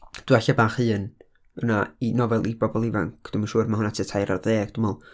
Dwi alle bach hŷn, 'wra' na i- "nofel i bobl ifanc", dwi'm yn siŵr, ma' hwnna tua tair ar ddeg, dwi'n meddwl.